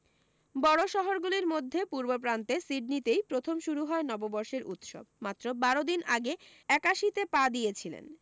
বড় শহরগুলির মধ্যে পূর্বপ্রান্তে সিডনিতেই প্রথম শুরু হয় নববর্ষের উৎসব মাত্র বারো দিন আগে একাশিতে পা দিয়েছিলেন